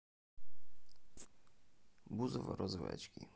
бузова розовые очки